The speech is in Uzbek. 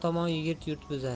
yomon yigit yurt buzar